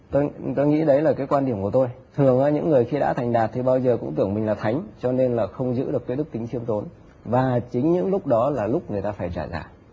tôi nghĩ đấy là cái quan điểm của tôi thường là những người khi đã thành đạt thì bao giờ cũng tưởng mình là thánh cho nên là không giữ được cái đức tính khiêm tốn và chính những lúc đó là lúc người ta phải trả giá